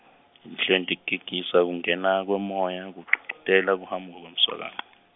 Enthlenti- tekugegisa kungena kwemoya, kugcugcutela kuhamuka kwemswakama.